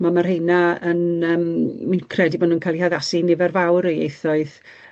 Chimod ma rheina yn yym wi'n credu bod nw'n ca'l 'u haddasu i nifer fawr o ieithoedd.